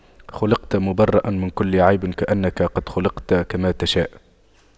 خلقت مُبَرَّأً من كل عيب كأنك قد خُلقْتَ كما تشاء